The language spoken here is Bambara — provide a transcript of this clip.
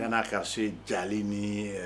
N nana karisa so ye ja ni ye